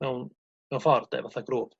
mewn... mewn ffor 'de? Fatha grŵp